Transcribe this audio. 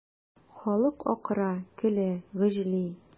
Халык акыра, көлә, гөжли.